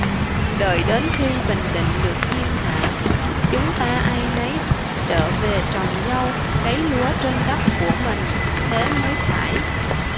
đợi đến khi bình định được thiên hạ chúng ta ai nấy trở về trồng dâu cấy lúa trên đất của mình thế mới phải